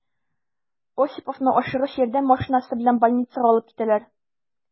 Осиповны «Ашыгыч ярдәм» машинасы белән больницага алып китәләр.